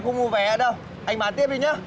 không mua vé nữa đâu anh bán tiếp đi nhớ